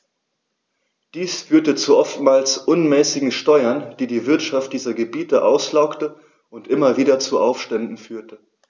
Dies führte zu oftmals unmäßigen Steuern, die die Wirtschaft dieser Gebiete auslaugte und immer wieder zu Aufständen führte.